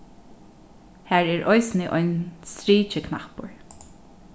har er eisini ein strikiknappur